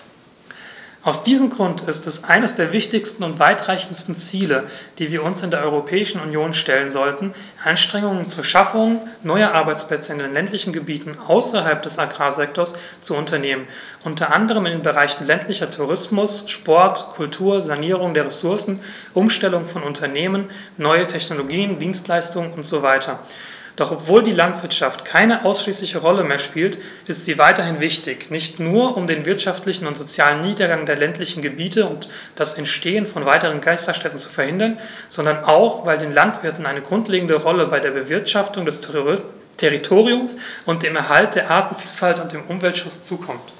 Aus diesem Grund ist es eines der wichtigsten und weitreichendsten Ziele, die wir uns in der Europäischen Union stellen sollten, Anstrengungen zur Schaffung neuer Arbeitsplätze in den ländlichen Gebieten außerhalb des Agrarsektors zu unternehmen, unter anderem in den Bereichen ländlicher Tourismus, Sport, Kultur, Sanierung der Ressourcen, Umstellung von Unternehmen, neue Technologien, Dienstleistungen usw. Doch obwohl die Landwirtschaft keine ausschließliche Rolle mehr spielt, ist sie weiterhin wichtig, nicht nur, um den wirtschaftlichen und sozialen Niedergang der ländlichen Gebiete und das Entstehen von weiteren Geisterstädten zu verhindern, sondern auch, weil den Landwirten eine grundlegende Rolle bei der Bewirtschaftung des Territoriums, dem Erhalt der Artenvielfalt und dem Umweltschutz zukommt.